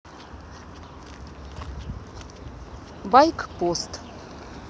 байкпост